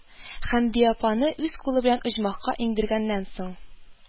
Хәмдия апаны үз кулы белән оҗмахка иңдергәннән соң